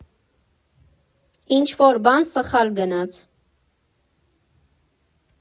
Ինչ֊որ բան սխալ գնաց։